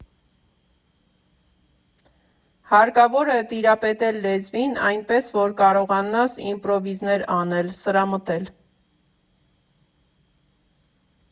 Հարկավոր է տիրապետել լեզվին այնպես, որ կարողանաս իմպրովիզներ անել, սրամտել։